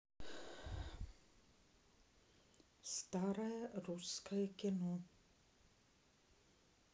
старое русское кино